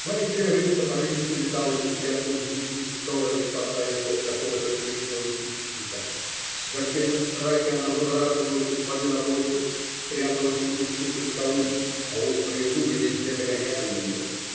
Маленькая рыбка порывисто металась вверх, и вниз и в стороны, спасаясь от какого-то длинного хищника В смертельном страхе она выбрасывалась из воды на воздух, пряталась под уступы скалы, а острые зубы везде нагоняли ее.